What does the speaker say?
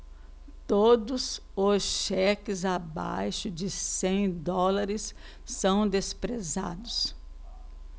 todos os cheques abaixo de cem dólares são desprezados